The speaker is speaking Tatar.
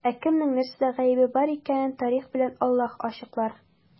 Ә кемнең нәрсәдә гаебе бар икәнен тарих белән Аллаһ ачыклар.